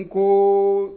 I ko